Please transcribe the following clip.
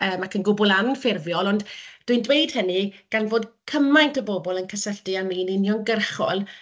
yym ac yn gwbl anffurfiol, ond dwi'n dweud hynny gan fod cymaint o bobl yn cysylltu â ni'n uniongyrchol,